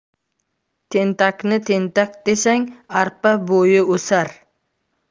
tentakni tentak desang arpa bo'yi o'sar